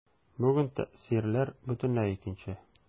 Бүген тәэсирләр бөтенләй икенче.